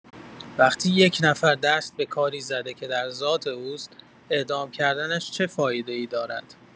وقتی یک نفر دست به کاری زده که در ذات اوست، اعدام کردنش چه فایده‌ای دارد؟